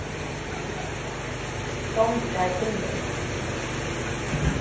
dámdi tær filmin